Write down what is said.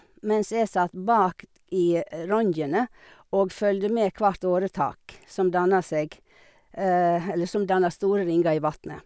Mens jeg satt bak i rongen og fulgte med hvert åretak som danna seg eller som danna store ringer i vatnet.